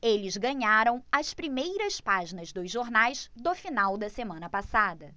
eles ganharam as primeiras páginas dos jornais do final da semana passada